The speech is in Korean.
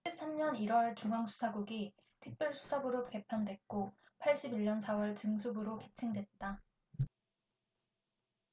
칠십 삼 년 일 월 중앙수사국이 특별수사부로 개편됐고 팔십 일 년 사 월 중수부로 개칭됐다